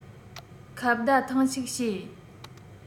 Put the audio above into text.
ཁ བརྡ ཐེངས ཤིག བྱས